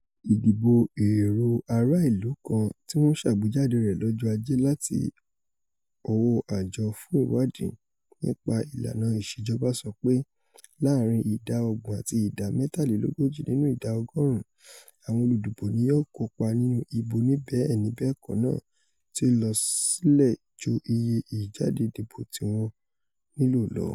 Ìdìbò èrò ara ìlú kan tíwọ́n ṣàgbéjáde rẹ̀ lọ́jọ́ Ajé láti ọwọ́ Àjọ fún Ìwáàdí nípa Ìlàna Ìṣèjọba sọ pé láàrin ìdá ọgbọ̀n àti ìdá mẹ́tàlélógójì nínú ìdá ọgọ́ọ̀rún àwọn olùdìbò ni yóò kópa nínú ìbò oníbẹ́ẹ̀ni-bẹ́ẹ̀kọ́ náà - tí o ́lọ sílẹ̀ ju iye ìjáde-dìbò tíwọ́n nílò lọ.